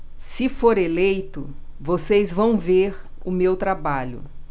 se for eleito vocês vão ver o meu trabalho